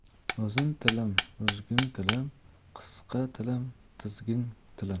uzun tilim uzgun tilim qisqa tilim tizgin tilim